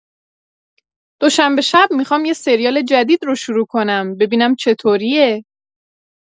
دوشنبه‌شب می‌خوام یه سریال جدید رو شروع کنم، ببینم چطوریه.